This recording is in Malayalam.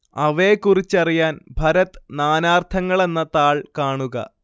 അവയെക്കുറിച്ചറിയാന്‍ ഭരത് നാനാര്‍ത്ഥങ്ങളെന്ന താള്‍ കാണുക